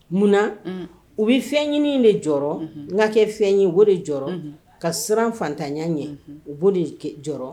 Munnaan u bɛ fɛn ɲini de jɔ n'a kɛ fɛn ye o de jɔ ka siran fatanya ɲɛ u de jɔ